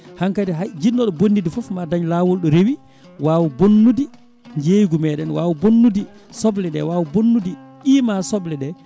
hankkadi hay jinnoɗo bonnidde foof ma daañ lawol ɗo reewi wawa bonnude jeygu meɗen wawa bonnude sobleɗe wawa bonnude qiima soble ɗe